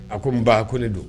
A ko nba ko ne do